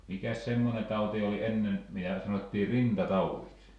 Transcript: mikäs semmoinen tauti oli ennen mitä sanottiin rintataudiksi